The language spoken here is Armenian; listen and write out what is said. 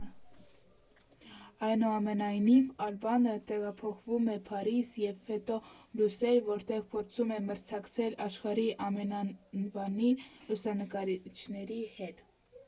Այնուամենայնիվ, Ալբանը տեղափոխվում է Փարիզ և հետո Բրյուսել, որտեղ փորձում է մրցակցել աշխարհի ամենաանվանի լուսանկարիչների հետ։